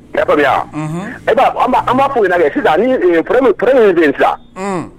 E'a an b'a fɔ kɛ sisan ni min den sisan